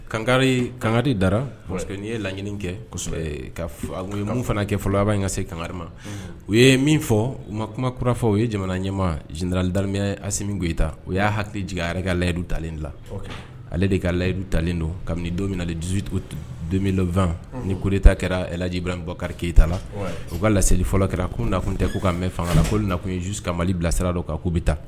Kanga kangadi dara n'i ye laɲiniini kɛ minnu fana kɛ fɔlɔ labanba in ka se kanga u ye min fɔ u ma kuma u ye jamana ɲɛma jdralidamiya a min goe ta u y'a hakili jiginri ka layidu talen la ale de ka layidu talen don kabini don mina dusu donlaw2 ni koe ta kɛrajibra bɔkarike keyita la u ka laseli fɔlɔ kɛra ko nakun tɛ k'u ka mɛn fanga' nakun yejuu ka mali bilasira don kan k'u bɛ taa